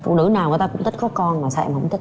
phụ nữ nào người ta cũng thích có con mà sao em hổng thích